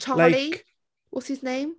Charlie?... like ...What's his name?